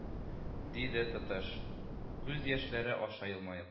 Диде тотыш, күз яшьләре аша елмаеп